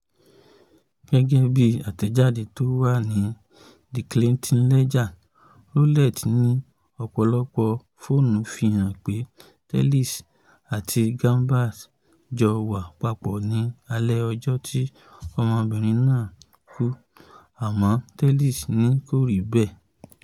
Gẹ́gẹ́ bí àtẹ̀jáde tó wà ní The Clarion Ledger, Rowlett ní ọ̀pọ̀lọpọ̀ fóònù fi hàn pé Tellis àti Chambers jọ wà papọ̀ ní alẹ́ ọjọ́ tí ọmọbìnrin náà kú. Àmọ́ Tellis ní kò rí bẹ́ẹ̀.